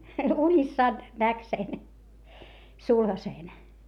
unissaan näki sen sulhasen